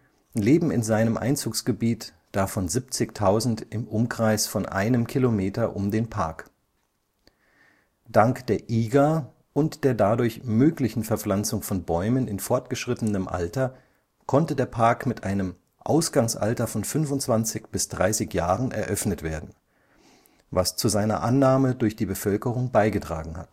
leben in seinem Einzugsgebiet, davon 70.000 im Umkreis von einem Kilometer um den Park. Dank der IGA und der dadurch möglichen Verpflanzung von Bäumen in fortgeschrittenem Alter konnte der Park mit einem „ Ausgangsalter von 25 bis 30 Jahren “eröffnet werden, was zu seiner Annahme durch die Bevölkerung beigetragen